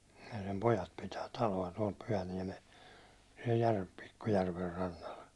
ja sen pojat pitää taloa tuolla Pyhäniemessä siellä - pikku järven rannalla